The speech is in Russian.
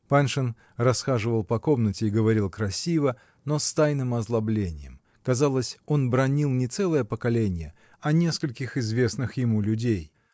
Паншин расхаживал по комнате и говорил красиво, но с тайным озлобленьем: казалось, он бранил не целое поколенье, а нескольких известных ему людей.